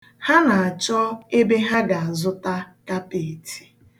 Ha na-achọ ebe ha ga-azụta kapeeti.